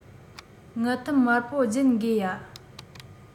དངུལ ཐུམ དམར པོ སྦྱིན དགོས ཡ